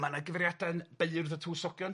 Ma' 'na gyfriada'n beirdd y tywysogion.